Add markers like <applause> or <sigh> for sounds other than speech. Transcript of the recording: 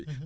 <hesitation> <hesitation>